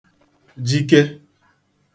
jike